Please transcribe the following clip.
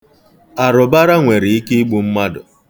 Arụbara nwere ike igbu mmadụ.